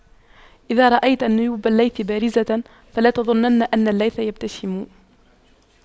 إذا رأيت نيوب الليث بارزة فلا تظنن أن الليث يبتسم